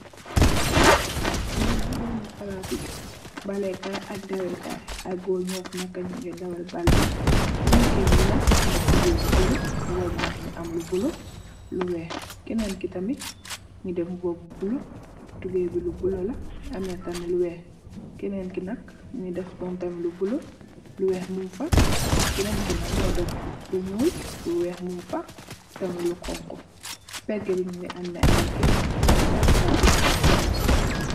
Lee nak mereme plase balekaye ak dawekaye aye goor nufe neka nuge dawal bal be ku neke nee nak muge def tubaye bu bulo muba be nak muge am lu bulo lu weex kenen ke tamin muge def muba bu bulo tubaye be lu bulo la muge ameh tamin lu weex kenenke nak muge def mum tam lu bulo lu weex mugfa kenenke nak mu def lu nuul lu weex mugfa tamin lu xonxo se pege be muge ameh aye kerr ak aye garab.